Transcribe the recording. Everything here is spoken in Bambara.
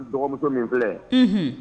Dɔgɔmuso min filɛ hhun